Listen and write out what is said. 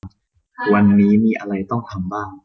วันนี้มีอะไรต้องทำบ้าง